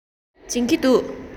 སྦྱོང གི འདུག